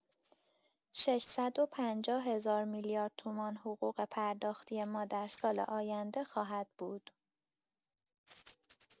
۶۵۰ هزار میلیارد تومان حقوق پرداختی ما در سال آینده خواهد بود.